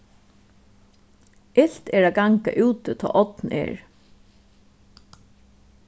ilt er at ganga úti tá ódn er